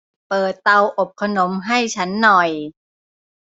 เปิดเตาอบขนมให้ฉันหน่อย